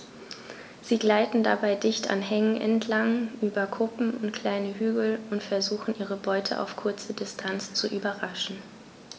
Sie gleiten dabei dicht an Hängen entlang, über Kuppen und kleine Hügel und versuchen ihre Beute auf kurze Distanz zu überraschen.